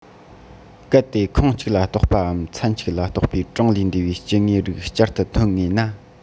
གལ ཏེ ཁོངས གཅིག ལ གཏོགས པའམ ཚན གཅིག ལ གཏོགས པའི གྲངས ལས འདས པའི སྐྱེ དངོས རིགས ཅིག ཅར དུ ཐོན ངེས ན